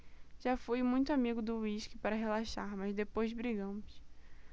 já fui muito amigo do uísque para relaxar mas depois brigamos